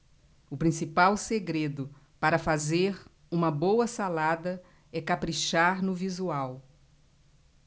o principal segredo para fazer uma boa salada é caprichar no visual